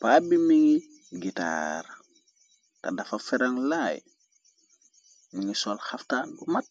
paa bi mingi gitaar te dafa ferang laay mi ngi sol xaftaan bu mat.